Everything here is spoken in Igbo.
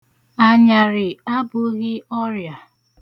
Anyarị abụghị ọrịa.